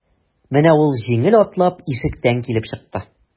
Менә ул җиңел атлап ишектән килеп чыкты.